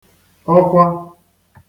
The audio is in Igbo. ọkwa